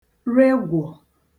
regwọ̀